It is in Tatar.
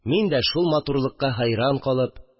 Мин дә, шул матурлыкка хәйран калып